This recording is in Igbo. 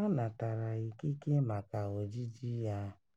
a natara ikike maka ojiji ya.